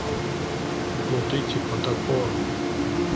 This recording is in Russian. ну типа такого